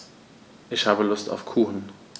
Ich habe Lust auf Kuchen.